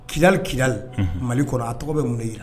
Kili kili mali kɔnɔ a tɔgɔ bɛ mun jira